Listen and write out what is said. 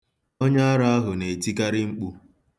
Onye ara ahụ na-etikarị mkpu.